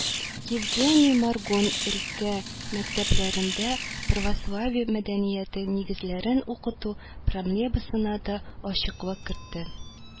Евгения Моргун өлкә мәктәпләрендә православие мәдәнияте нигезләрен укыту проблемасына да ачыклык кертте